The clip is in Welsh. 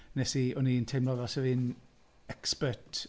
Wnes i... o'n i'n teimlo fel 'se fi'n expert.